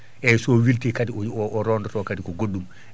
eyyi so wilti kadi o rodonto kadi ko goɗɗum